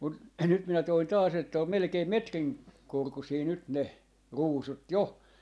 mutta nyt minä toin taas että on melkein metrin korkuisia nyt ne ruusut jo